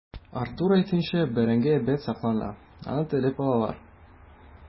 Артур әйтүенчә, бәрәңге әйбәт саклана, аны теләп алалар.